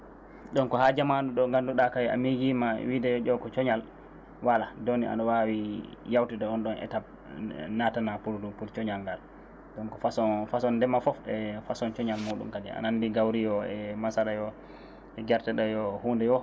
ɗon ko ha jamanu ɗo mo gannduɗa kayi a miijima e wiide ƴew ko cooñal voilà donc aɗa wawi yawtude on ɗon étape naatana pour pour coñal ngal donc façon façon ndema foof e façon coñal mum kadi an anndi gawri o e masara o e gerte ɗe yo hunnde yo